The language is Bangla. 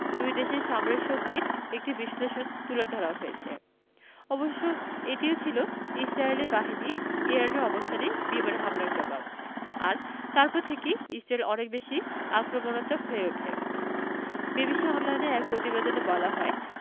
দুই দেশের সামরিক শক্তির একটি বিশ্লেষণ তুলে ধরা হয়েছে অবশ্য এটিও ছিল ইসরায়েলি বাহিনীর ইরানের অবস্থানে বিমান হামলার জবাব আর তারপর থেকেই ইসরায়েল অনেক বেশি আক্রমণাত্মক হয়ে ওঠে বিবিসি অনলাইনের এক প্রতিবেদনে বলা হয়